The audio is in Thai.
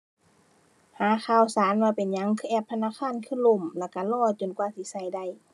หาข่าวสารว่าเป็นหยังคือแอปธนาคารคือล่ม แล้วก็รอจนกว่าสิก็ได้